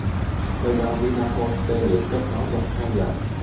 thuê bao vinaphone tê liệt kết nối trong hai giờ